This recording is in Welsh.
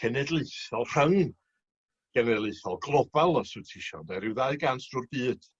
cenedlaethol rhyng genedlaethol global os wt ti isio ynde ryw ddau gant drw'r byd.